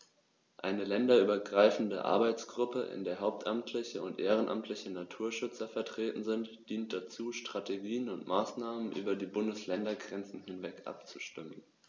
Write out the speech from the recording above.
Eine länderübergreifende Arbeitsgruppe, in der hauptamtliche und ehrenamtliche Naturschützer vertreten sind, dient dazu, Strategien und Maßnahmen über die Bundesländergrenzen hinweg abzustimmen.